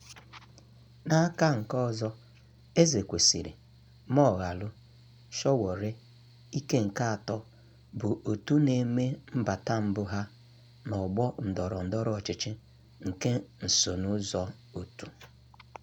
N'aka nke ọzọ, Ezekwesili, Moghalu, Sowore, "ike nke atọ", bụ òtù na-eme mbata mbụ ha n'ọgbọ ndọrọ ndọrọ ọchịchị nke nsonụzọòtù.